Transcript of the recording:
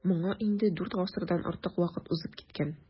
Моңа инде дүрт гасырдан артык вакыт узып киткән.